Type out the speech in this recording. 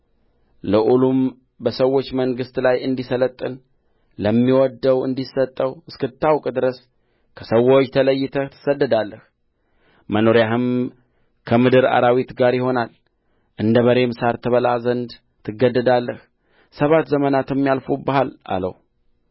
ልዑሉም በሰዎች መንግሥት ላይ እንዲሠለጥን ለሚወድደውም እንዲሰጠው እስክታውቅ ድረስ ከሰዎች ተለይተህ ትሰደዳለህ መኖሪያህም ከምድር አራዊት ጋር ይሆናል እንደ በሬም ሣር ትበላ ዘንድ ትገደዳለህ ሰባት ዘመናትም ያልፉብሃል አለው